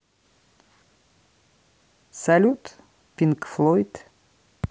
салют pink floyd